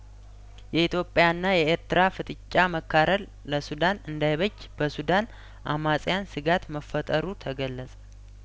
የኢትዮጵያ ና የኤርትራ ፍጥጫ መካረር ለሱዳን እንዳይበጅ በሱዳን አማጺያን ስጋት መፈጠሩ ተገለጸ